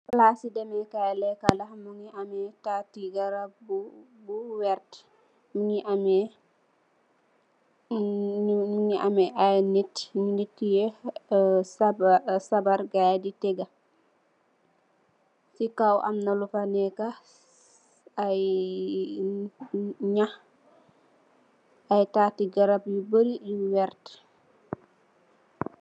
Palasi demekaay leka la, mungi ame tatti garap yu werta. Mungi ame ay nit nyungi teyeh sabar gaay di tega. Ci kaw amna luga neka ay nyakh ay tatti garap yu barri yu werta.